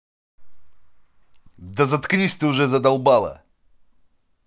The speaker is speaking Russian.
да заткнись ты уже задолбала